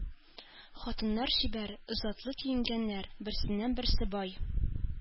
Хатыннар чибәр, затлы киенгәннәр, берсеннән-берсе бай.